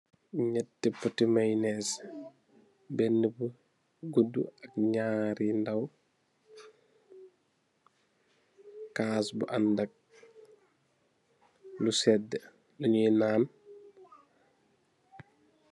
Nyahti poti mainez bena bu gudu nyari ndow, cass bu andak lu sehda lu nyui nan.